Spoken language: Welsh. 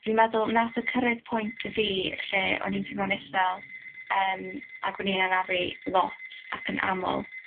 dwi'n meddwl nath o cyrraedd point i fi lle o'n i'n teimlo'n isel yym ac o'n i'n anafu lot, ac yn amyl